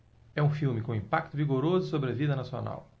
é um filme com um impacto vigoroso sobre a vida nacional